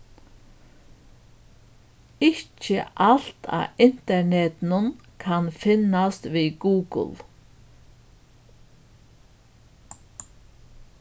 ikki alt á internetinum kann finnast við google